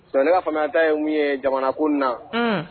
Son ne ka faamuyata ye tun ye jamana ko na